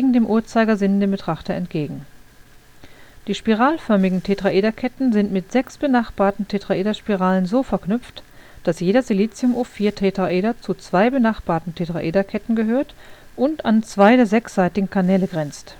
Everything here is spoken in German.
dem Uhrzeigersinn dem Betrachter entgegen. Die spiralförmigen Tetraederketten sind mit sechs benachbarten Tetraederspiralen so verknüpft, dass jeder SiO4-Tetraeder zu zwei benachbarten Tetraederketten gehört und an zwei der sechsseitigen Kanäle grenzt